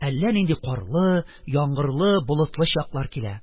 Әллә нинди карлы, яңгырлы, болытлы чаклар килә.